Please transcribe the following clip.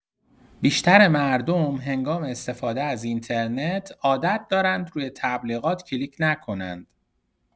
بیشتر مردم هنگام استفاده از اینترنت عادت دارند روی تبلیغات کلیک نکنند.